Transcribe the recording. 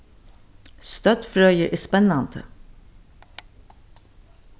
støddfrøði er spennandi